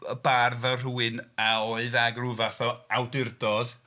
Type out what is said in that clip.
Y bardd fel rhywun a oedd ag ryw fath o awdurdod.